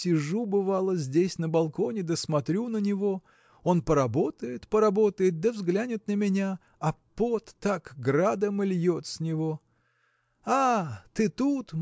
Сижу, бывало, здесь на балконе да смотрю на него. Он поработает поработает да взглянет на меня а пот так градом и льет с него. А! ты тут?